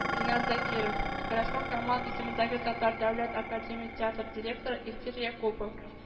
Ринат Закиров, Галискар Камал исемендәге Татар дәүләт академия театры директоры Илфир Якупов